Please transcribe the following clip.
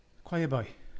Choir boy.